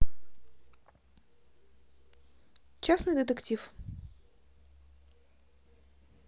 частный детектив